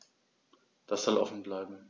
Das soll offen bleiben.